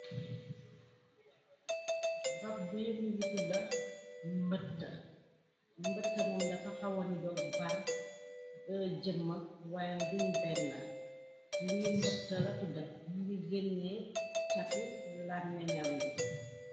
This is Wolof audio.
Rab bi mu ngi tudda mbëtamoom dafa xawani doog bar jëma waayen duñ benna li mbëtta la tudda mngi gennee catu lànneñam bi.